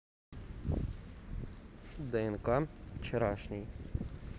днк вчерашний